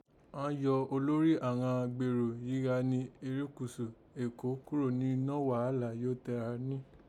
Àán yọ olórí àghan gbèrò yí gha ni erékùsù Èkó kúrò ninọ́ ghàhálà yí ó tẹ̀ra ní